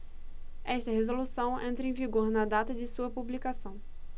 esta resolução entra em vigor na data de sua publicação